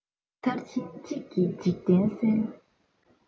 མཐར ཕྱིན གཅིག གིས འཇིག རྟེན གསལ